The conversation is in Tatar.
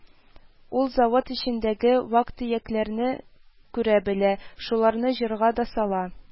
Ул завод эчендәге вак-төякләрне күрә белә, шуларны җырга да сала